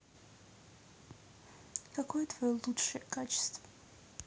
какое твое лучшее качество